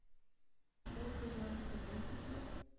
Хур кызларын күргән төсле,